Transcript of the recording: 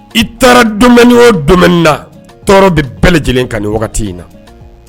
I taara domaine o domaine na tɔɔrɔ de bɛɛ lajɛlen kan nin wagati in na